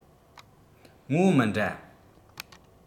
ངོ བོ མི འདྲ